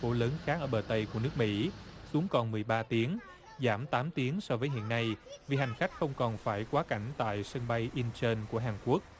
phố lớn khác ở bờ tây của nước mỹ xuống còn mười ba tiếng giảm tám tiếng so với hiện nay vì hành khách không còn phải quá cảnh tại sân bay in chơn của hàn quốc